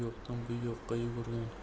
yoqdan bu yoqqa yugurgan